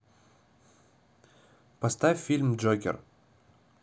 поставь фильм джокер